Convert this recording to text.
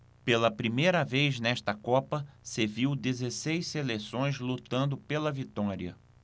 pela primeira vez nesta copa se viu dezesseis seleções lutando pela vitória